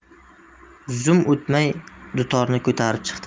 zum o'tmay dutorni ko'tarib chiqdi